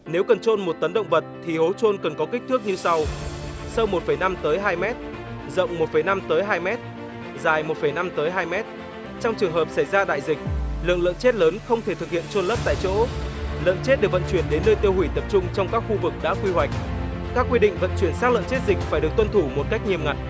nếu cần chôn một tấn động vật thì hố chôn cần có kích thước như sau sau một phẩy năm tới hai mét rộng một phẩy năm tới hai mét dài một phẩy năm tới hai mét trong trường hợp xảy ra đại dịch lực lượng chết lớn không thể thực hiện chôn lấp tại chỗ lợn chết được vận chuyển đến nơi tiêu hủy tập trung trong các khu vực đã quy hoạch các quy định vận chuyển xác lợn chết dịch phải được tuân thủ một cách nghiêm ngặt